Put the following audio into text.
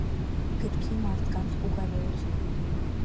Գրքի մարդկանց ուղևորությունն։